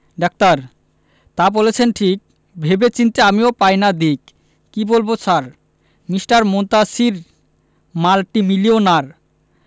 doctor তা বলেছেন ঠিক ভেবে চিন্তে আমিও পাই না দিক কি বলব স্যার মিঃ মুনতাসীর মাল্টিমিলিওনার